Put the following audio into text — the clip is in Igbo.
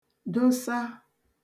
dosa